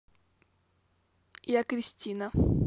я кристина